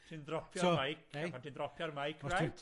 Chi'n dropio'r meic a pan ti'n dropio'r mike, reit?